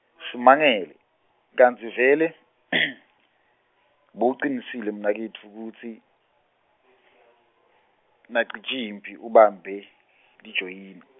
simangele, kantsi vele , bowucinisile mnaketfu kutsi, naCijimphi ubambe, lijoyina?